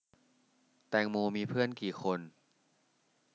แตงโมมีเพื่อนกี่คน